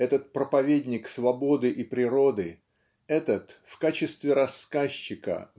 этот проповедник свободы и природы этот в качестве рассказчика